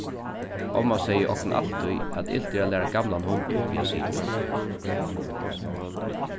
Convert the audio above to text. omma segði okkum altíð at ilt er at læra gamlan hund uppi at sita